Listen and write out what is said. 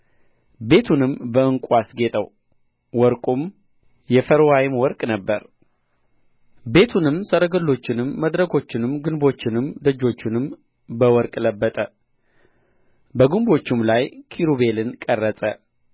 ቤቱንም በዕንቍ አስጌጠው ወርቁንም የፈርዋይም ወርቅ ነበረ ቤቱንም ሰረገሎቹንም መድረኮቹንም ግንቦቹንም ደጆቹንም በወርቅ ለበጠ በግንቦቹም ላይ ኪሩቤልን ቀረጸ